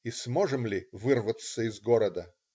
И сможем ли вырваться из города?